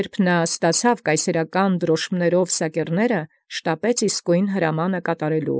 Եւ նորա առեալ սակերս կայսերական նշանաւք, փութայր վաղվաղակի զհրամանն կատարել։